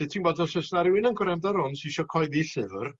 Lle ti gbod os o's 'na rywun yn grando ar 'wn sy isio coeddi llyfr